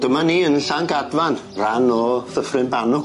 Dyma ni yn Llangadfan, ran o Ddyffryn Banw.